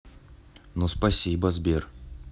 ну спасибо сбер